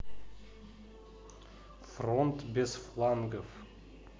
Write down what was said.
фронт без флангов